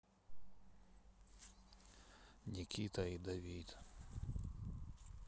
никита и давид